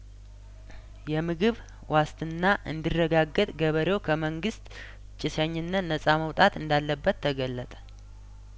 የምግብ ዋስትና እንዲረጋገጥ ገበሬው ከመንግስት ጭሰኝነት ነጻ መውጣት እንዳለበት ተገለጠ